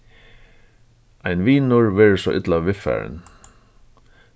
ein vinur verður so illa viðfarin